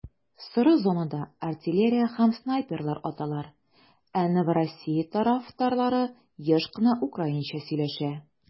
Соры зонада артиллерия һәм снайперлар аталар, ә Новороссия тарафтарлары еш кына украинча сөйләшә.